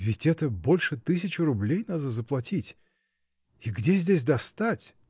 — Ведь это больше тысячи рублей надо заплатить! И где здесь достать?.